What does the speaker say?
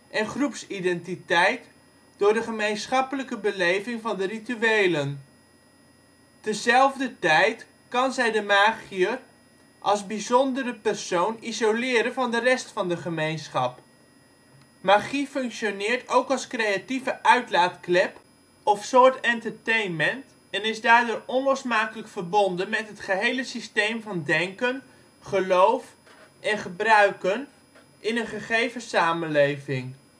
en groepsidentiteit door de gemeenschappelijke beleving van de rituelen. Tezelfdertijd kan zij de magiër als bijzondere persoon isoleren van de rest van de gemeenschap. Magie functioneert ook als creatieve uitlaatklep of soort entertainment en is daardoor onlosmakelijk verbonden met het gehele systeem van denken, geloof en gebruiken in een gegeven samenleving